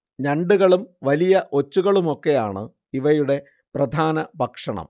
ഞണ്ടുകളും വലിയ ഒച്ചുകളുമൊക്കെയാണ് ഇവയുടെ പ്രധാന ഭക്ഷണം